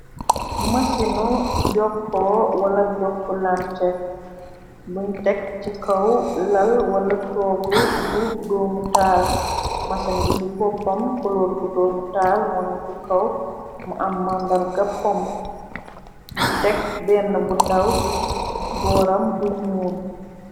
Mësinu jokkoo wala jokko lante buñu tekk ci kaw lal wala toogu bu doomu taal masin bi ci boppam koloor bu doomu taal moonu ti kaw mu am màndar gappam ñu tekk benn bu ndàw ci booram bu ñyuul.